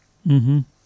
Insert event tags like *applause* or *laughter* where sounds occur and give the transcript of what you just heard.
*hesitation* *hesitation*